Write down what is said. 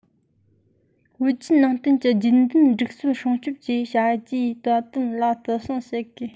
བོད བརྒྱུད ནང བསྟན གྱི རྒྱུན ལྡན སྒྲིག སྲོལ སྲུང སྐྱོང བཅས བྱ རྒྱུའི རྩ དོན ལ བརྩི སྲུང ཞུ དགོས